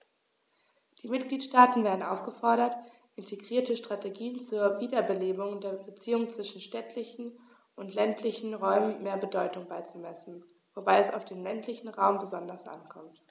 Die Mitgliedstaaten werden aufgefordert, integrierten Strategien zur Wiederbelebung der Beziehungen zwischen städtischen und ländlichen Räumen mehr Bedeutung beizumessen, wobei es auf den ländlichen Raum besonders ankommt.